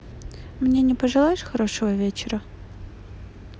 мне не пожелаешь хорошего вечера